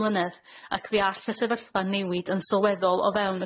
mlynedd ac fe all y sefyllfa newid yn sylweddol o fewn